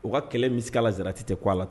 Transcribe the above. O ka kɛlɛ misi' lasarati tɛ ko' la